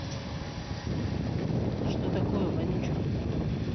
что такое вонючка